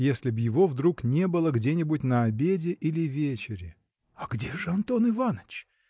если б его вдруг не было где-нибудь на обеде или вечере! – А где же Антон Иваныч?